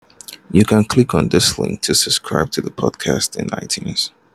You can click on this link to subscribe to the podcast in iTunes.